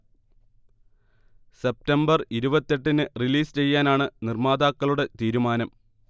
September ഇരുപത്തെട്ടിന് release ചെയ്യാനാണ് നിർമ്മാതാക്കളുടെ തീരുമാനം